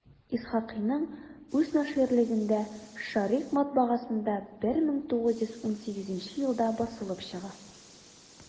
Исхакыйның үз наширлегендә «Шәрекъ» матбагасында 1918 елда басылып чыга.